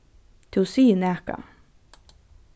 tú sigur nakað